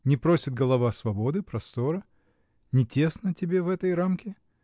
Не просит голова свободы, простора? Не тесно тебе в этой рамке?